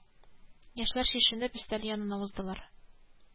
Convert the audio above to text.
Яшьләр чишенеп өстәл янына уздылар